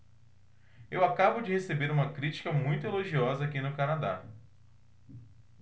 eu acabo de receber uma crítica muito elogiosa aqui no canadá